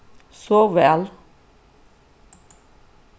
sov væl